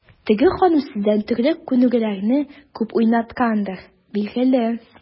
Теге ханым сездән төрле күнегүләрне күп уйнаткандыр, билгеле.